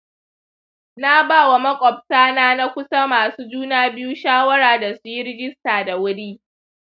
na ba wa makwabata na nakusa masu juna biyu shawara dasuyi rijista dawuri.